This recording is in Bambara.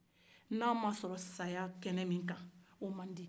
n'an ma sɔrɔ saya kɛnɛ min kan o man di